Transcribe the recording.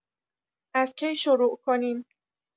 از کی شروع کنیم؟